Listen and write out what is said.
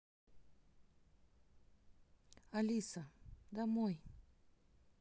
алиса домой